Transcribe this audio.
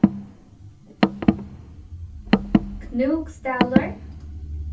knúksdalur